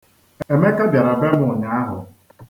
Emeka bịara be m ụnyaahụ.